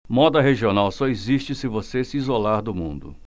moda regional só existe se você se isolar do mundo